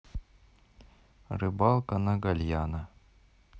рыбалка на гальяно